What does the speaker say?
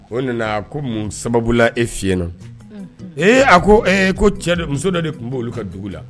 O nana a ko mun sababula e fiyen na , ee a ko ko cɛ muso dɔ de tun b'olu ka dugu la!